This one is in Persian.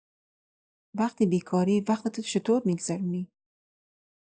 وقتی بیکاری، وقتتو چطور می‌گذرونی؟